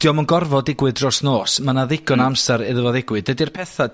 'Di o'm yn gorfod digwydd dros nos. Ma' 'na ddigon o amsar iddo fo ddigwydd. Dydi'r petha...